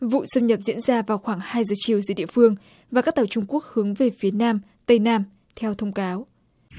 vụ xâm nhập diễn ra vào khoảng hai giờ chiều giờ địa phương và các tàu trung quốc hướng về phía nam tây nam theo thông cáo